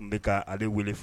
N bɛ ka ale weele f